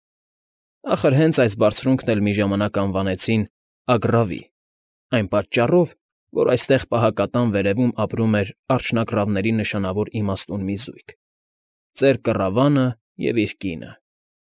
Ախր հենց այս բարձունքն էլ մի ժամանակ անվանեցին Ագռավի, այն պատճառով, որ այստեղ պահակատան վերևում ապրում էր արջնագռավների նշանավոր իմաստուն մի զույգ՝ ծեր Կռավանը և իր կինը։